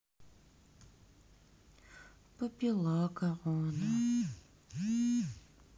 попила корона